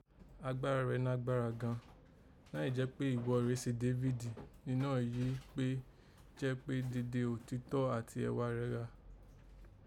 Agbára rẹ̀ nágbára gan an, nàìjẹ́ kpé ìghọ rèé se Dáfídì, ninọ́ èyí jẹ́ kpé jẹ́ kpé dede òtítọ́ àti ẹghà rèé gha